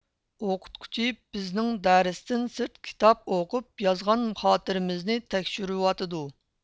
ئوقۇتقۇچى بىزنىڭ دەرسىتىن سىرت كىتاب ئوقۇپ يازغان خاتىرىمىزنى تەكشۈرۈۋاتىدۇ